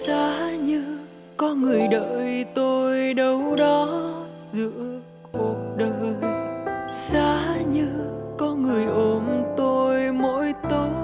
giá như có người đợi tôi đâu đó giữa cuộc đời giá như có người ôm tôi mỗi